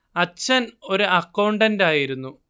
അച്ഛൻ ഒരു അക്കൗണ്ടന്റായിരുന്നു